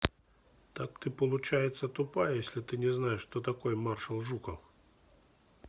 так ты получается тупая если ты не знаешь кто такой маршал жуков